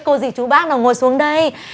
cô dì chú bác nào ngồi xuống đây